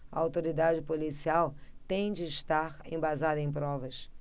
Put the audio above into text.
a autoridade policial tem de estar embasada em provas